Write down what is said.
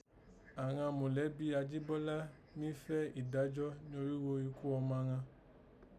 Àghan molẹbí Ajíbọ́lá mí fẹ́ ìdájọ́ norígho ikú ọma ghan